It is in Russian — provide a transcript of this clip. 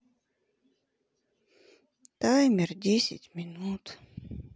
таймер десять минут